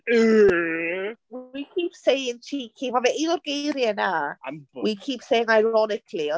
We keep saying cheeky. Mae fe un o'r geiriau 'na, we keep saying ironically.